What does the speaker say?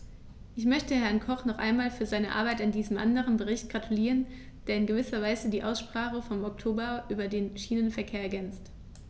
Ich möchte Herrn Koch noch einmal für seine Arbeit an diesem anderen Bericht gratulieren, der in gewisser Weise die Aussprache vom Oktober über den Schienenverkehr ergänzt.